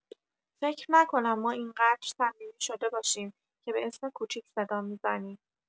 فکر نکنم ما اینقدر صمیمی شده باشیم که به اسم کوچیک صدام می‌زنی!